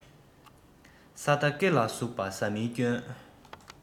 ས མདའ སྐེ ལ ཟུག པ ཟ མའི སྐྱོན